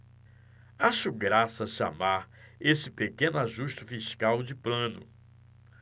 acho graça chamar esse pequeno ajuste fiscal de plano